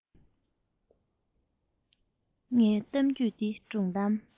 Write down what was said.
ངའི གཏམ རྒྱུད འདི སྒྲུང གཏམ